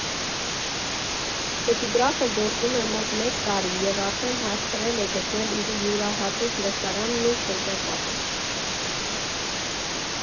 «Էպիգրաֆը» գործում է մոտ մեկ տարի, և արդեն հասցրել է գտնել իր յուրահատուկ լսարանն ու շրջապատը։